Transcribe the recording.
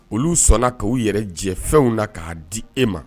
Olu sɔnna' u yɛrɛ jɛfɛnw na k'a di e ma